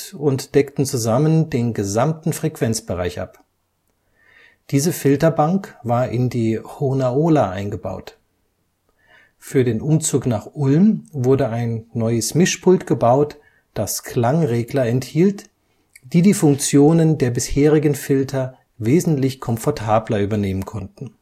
und deckten zusammen den gesamten Frequenzbereich ab. Diese Filterbank war in die Hohnerola eingebaut. Für den Umzug nach Ulm wurde ein neues Mischpult gebaut, das Klangregler enthielt, die die Funktionen der bisherigen Filter wesentlich komfortabler übernehmen konnten